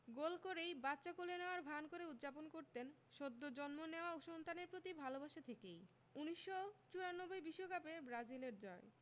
গোল করেই বাচ্চা কোলে নেওয়ার ভান করে উদ্ যাপন করতেন সদ্য জন্ম নেওয়া সন্তানের প্রতি ভালোবাসা থেকেই ১৯৯৪ বিশ্বকাপের ব্রাজিলের জয়